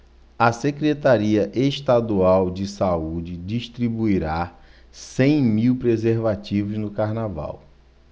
a secretaria estadual de saúde distribuirá cem mil preservativos no carnaval